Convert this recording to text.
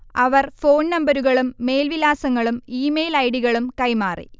അവർ ഫോൺനമ്പരുകളും മേൽവിലാസങ്ങളും ഇമെയിൽ ഐഡികളും കൈമാറി